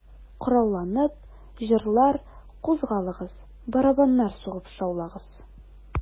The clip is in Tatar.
Коралланып, җырлар, кузгалыгыз, Барабаннар сугып шаулагыз...